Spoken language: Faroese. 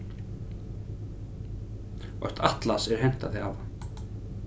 eitt atlas er hent at hava